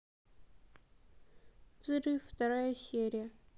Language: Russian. взрыв вторая серия